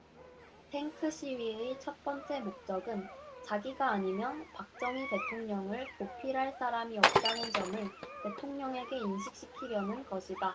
탱크 시위의 첫 번째 목적은 자기가 아니면 박정희 대통령을 보필할 사람이 없다는 점을 대통령에게 인식시키려는 것이다